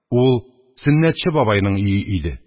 Ул Сөннәтче бабайның өе иде.